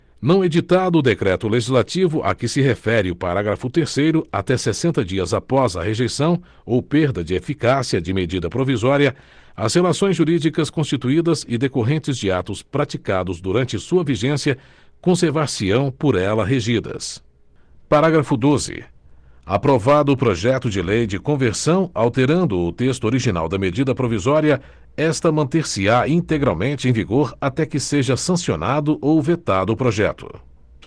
não editado o decreto legislativo a que se refere o parágrafo terceiro até sessenta dias após a rejeição ou perda de eficácia de medida provisória as relações jurídicas constituídas e decorrentes de atos praticados durante sua vigência conservar se ão por ela regidas parágrafo doze aprovado projeto de lei de conversão alterando o texto original da medida provisória esta manter se á integralmente em vigor até que seja sancionado ou vetado o projeto